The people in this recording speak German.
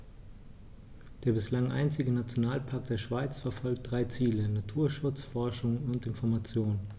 Der bislang einzige Nationalpark der Schweiz verfolgt drei Ziele: Naturschutz, Forschung und Information.